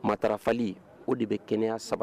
Matarafali o de bɛ kɛnɛya sabati